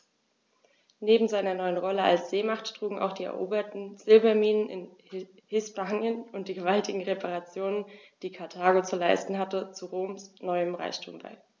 Neben seiner neuen Rolle als Seemacht trugen auch die eroberten Silberminen in Hispanien und die gewaltigen Reparationen, die Karthago zu leisten hatte, zu Roms neuem Reichtum bei.